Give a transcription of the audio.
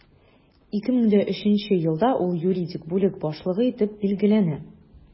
2003 елда ул юридик бүлек башлыгы итеп билгеләнә.